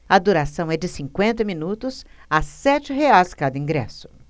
a duração é de cinquenta minutos a sete reais cada ingresso